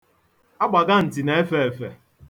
Agbaganti na-efe efe.